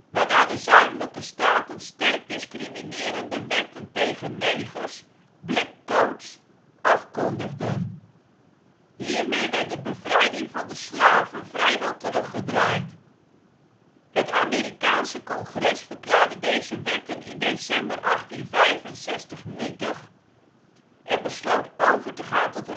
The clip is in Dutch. waarna de Zuidelijke staten sterk discriminerende wetten tegen negers (Black codes) afkondigden. Hiermee werd de bevrijding van de slaven vrijwel teruggedraaid. Het Amerikaanse Congres verklaarde deze wetten in december 1865 nietig en besloot over te gaan tot